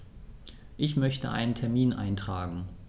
Ich möchte einen Termin eintragen.